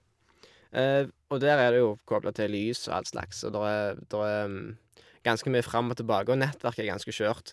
Og der er det jo kobla til lys og allslags, og der er der er ganske mye fram og tilbake, og nettverket er ganske skjørt.